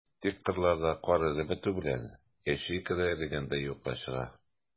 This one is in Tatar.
Тик кырларда кар эреп бетү белән, ячейка да эрегәндәй юкка чыга.